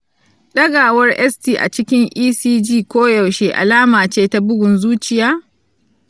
ɗagawar st a cikin ecg koyaushe alama ce ta bugun zuciya?